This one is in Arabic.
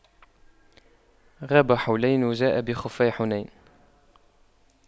غاب حولين وجاء بِخُفَّيْ حنين